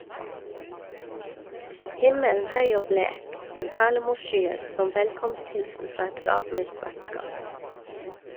Himmelen høy og blek, med perlemorsskyer som velkomsthilsen fra et gavmildt vertskap.